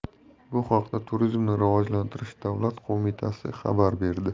bu haqda turizmni rivojlantirish davlat qo'mitasi xabar berdi